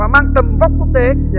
và mang tầm vóc quốc tế